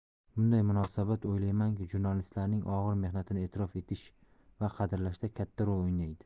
bunday munosabat o'ylaymanki jurnalistlarning og'ir mehnatini e'tirof etish va qadrlashda katta rol o'ynaydi